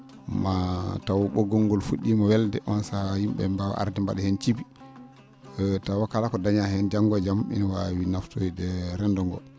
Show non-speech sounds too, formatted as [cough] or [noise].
ma taw ?oggol ngol fu??iima welde oon sahaa yim?e ?ee mbaawa arde mba?a heen ccibi [hesitation] tawa kala ko daaña heen janngo e jam ina waawi naftoyde renndo ngoo